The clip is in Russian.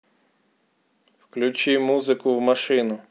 включи музыку в машину